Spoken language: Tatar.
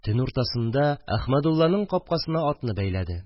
Төн уртасында Әхмәдулланың капкасына атны бәйләде